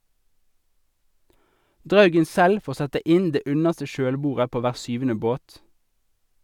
Draugen selv får sette inn det underste kjølbordet på hver syvende båt.